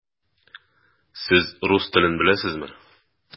Сез рус телен беләсезме?